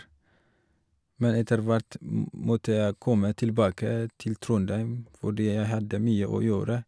Men etter hvert måtte jeg komme tilbake til Trondheim fordi jeg hadde mye å gjøre.